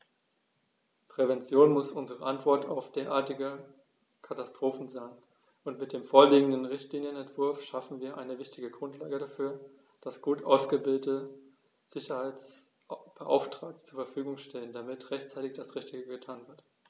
Prävention muss unsere Antwort auf derartige Katastrophen sein, und mit dem vorliegenden Richtlinienentwurf schaffen wir eine wichtige Grundlage dafür, dass gut ausgebildete Sicherheitsbeauftragte zur Verfügung stehen, damit rechtzeitig das Richtige getan wird.